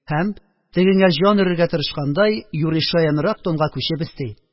Һәм, тегеңә җан өрергә тырышкандай, юри шаянрак тонга күчеп өсти